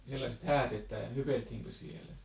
sellaiset häät että hypeltiinkö siellä